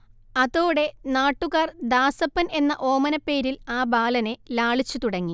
അതോടെ നാട്ടുകാർ ദാസപ്പൻ എന്ന ഓമനപ്പേരിൽ ആ ബാലനെ ലാളിച്ചു തുടങ്ങി